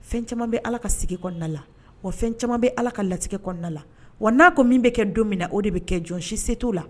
Fɛn caman bɛ Ala ka sigi kɔɔna la wa fɛn caman bɛ Ala ka latigɛ kɔɔna la wa n'a ko min bɛ kɛ don minna o de be kɛ jɔn si se t'o la